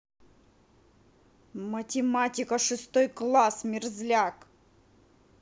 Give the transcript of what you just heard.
математика шестой класс мерзляк